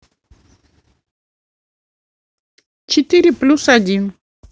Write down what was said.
четыре плюс один